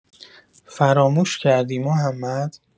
فراموش کردی محمد؟